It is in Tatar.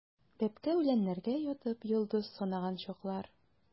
Бәбкә үләннәргә ятып, йолдыз санаган чаклар.